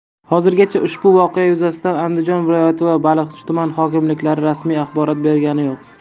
hozirgacha ushbu voqea yuzasidan andijon viloyati va baliqchi tuman hokimliklari rasmiy axborot bergani yo'q